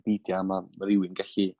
Wicipidia ma' ma' rywun gallu